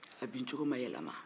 a bincogo ma yɛlɛma